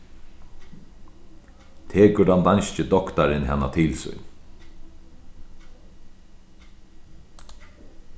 tekur tann danski doktarin hana til sín